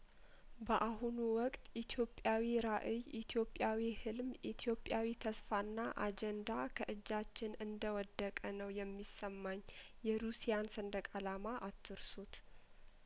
በአሁኑ ወቅት ኢትዮጵያዊ ራእይ ኢትዮጵያዊ ህልም ኢትዮጵያዊ ተስፋና አጀንዳ ከእጃችን እንደወደቀ ነው የሚሰማኝ የሩሲያን ሰንደቅ አላማ አትርሱት